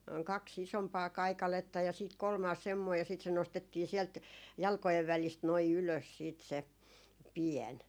kaksi isompaa kaikaletta ja sitten kolmas semmoinen ja sitten se nostettiin sieltä jalkojen välistä noin ylös sitten se pieni